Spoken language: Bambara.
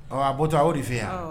Ɔ a bɔtɔ y'o de fɛ yan